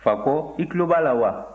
fakɔ i tulo b'a la wa